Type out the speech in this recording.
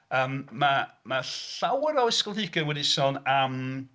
Yym mae... mae llawer o ysgolheigion wedi sôn am...